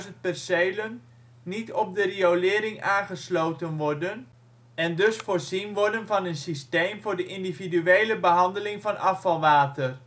'n 40.000 percelen niet op de riolering aangesloten worden en dus voorzien worden van een systeem voor de individuele behandeling van afvalwater